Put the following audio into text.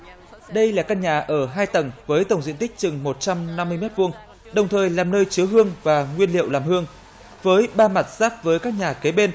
đây là căn nhà ở hai tầng với tổng diện tích chừng một trăm năm mươi mét vuông đồng thời làm nơi chứa hương và nguyên liệu làm hương với ba mặt giáp với các nhà kế bên